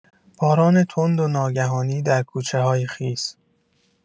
باران تند و ناگهانی در کوچه‌های خیس